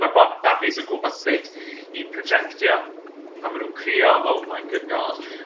Ma' bo- babis yn gwbod sut i projectio pan ma' nw'n crio oh my good god.